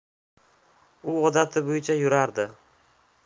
u odati bo'yicha yurardi